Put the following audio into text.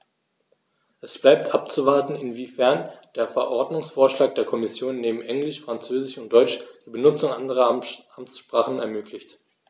Es bleibt abzuwarten, inwiefern der Verordnungsvorschlag der Kommission neben Englisch, Französisch und Deutsch die Benutzung anderer Amtssprachen ermöglicht.